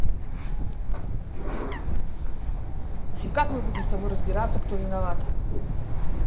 и как мы будем с тобой разбираться кто виноват